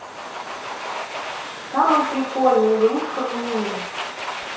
самая прикольная игрушка в мире